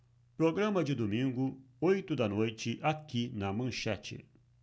programa de domingo oito da noite aqui na manchete